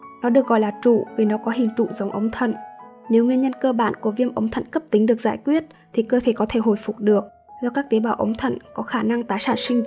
nó được gọi là trụ vì nó có hình trụ giống ống thận nếu nguyên nhân cơ bản của viêm ống thận cấptính được giải quyết thì cơ thể có thể hồi phục được do các tế bào ống thận có khả năng tái sản sinh